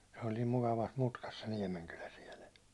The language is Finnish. se oli niin mukavassa mutkassa se Niemenkylä siellä